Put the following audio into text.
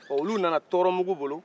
olu nana tɔɔrɔ mugu bolo